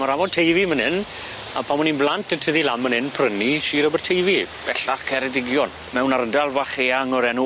Ma'r afon Teifi myn' 'yn a pan o'n i'n blant yn tyfu lan myn' 'yn pry' 'ny Sir Aberteifi, bellach Ceredigion, mewn ardal fach eang o'r enw...